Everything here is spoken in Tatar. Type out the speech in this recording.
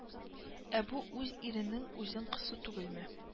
Ә бу үз иренең үзен кысу түгелме